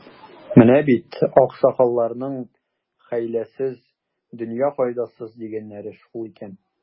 Менә бит, аксакалларның, хәйләсез — дөнья файдасыз, дигәннәре шул икән.